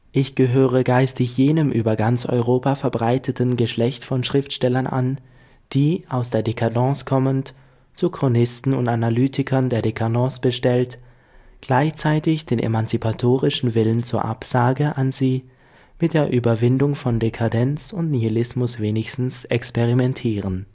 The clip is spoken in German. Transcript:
Ich gehöre geistig jenem über ganz Europa verbreiteten Geschlecht von Schriftstellern an, die, aus der décadence kommend, zu Chronisten und Analytikern der décadence bestellt, gleichzeitig den emanzipatorischen Willen zur Absage an sie … mit der Überwindung von Dekadenz und Nihilismus wenigstens experimentieren